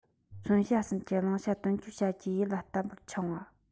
མཚོན བྱེད གསུམ གྱི བླང བྱ དོན འཁྱོལ བྱ རྒྱུ ཡིད ལ བརྟན པོར འཆང བ